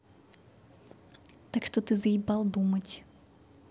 так что ты заебал думать